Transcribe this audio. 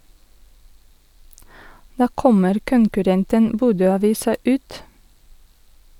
Da kommer konkurrenten Bodøavisa ut.